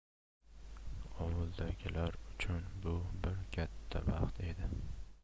ovuldagilar uchun bu bir katta baxt edi